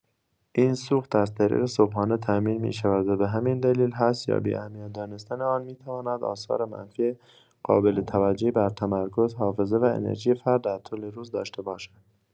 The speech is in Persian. این سوخت از طریق صبحانه تأمین می‌شود و به همین دلیل حذف یا بی‌اهمیت دانستن آن می‌تواند آثار منفی قابل توجهی بر تمرکز، حافظه و انرژی فرد در طول روز داشته باشد.